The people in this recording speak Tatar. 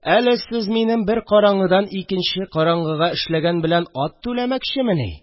Әле сез минем бер караңгыдан икенче караңгыга эшләгән белән ат түләмәкчемени!